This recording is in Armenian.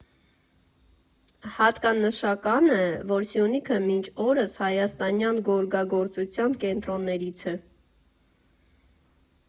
Հատկանշական է, որ Սյունիքը մինչ օրս հայաստանյան գորգագործության կենտրոններից է։